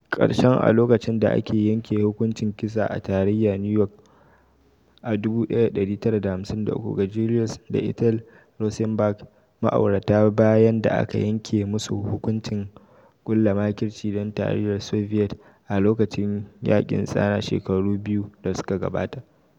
karshen a lokacin da aka yanke hukuncin kisa a tarayya New York a 1953 ga Julius da Ethel Rosenberg, ma'aurata bayan da aka yanke musu hukuncin kulla makirci don Tarayyar Soviet a lokacin Yakin Tsana shekaru biyu da suka gabata.